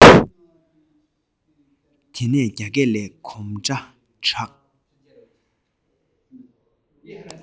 དེ ནས རྒྱ སྐས ལས གོམ སྒྲ གྲགས